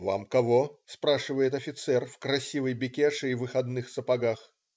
"Вам кого?" - спрашивает офицер в красивой бекеше и выходных сапогах.